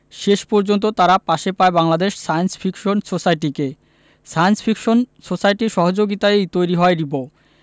শেষ পর্যন্ত তারা পাশে পায় বাংলাদেশ সায়েন্স ফিকশন সোসাইটিকে সায়েন্স ফিকশন সোসাইটির সহযোগিতায়ই তৈরি হয় রিবো